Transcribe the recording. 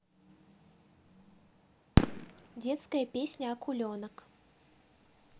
детская песенка акуленок